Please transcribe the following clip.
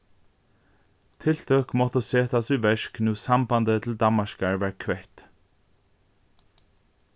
tiltøk máttu setast í verk nú sambandið til danmarkar varð kvett